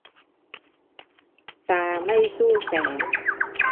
ตาไม่สู้แสง